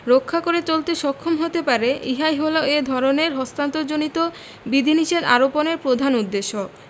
রক্ষা করে চলতে সক্ষম হতে পারে ইহাই হল এ ধরনের হস্তান্তরজনিত বিধিনিষেধ আরোপনের প্রধান উদ্দেশ্য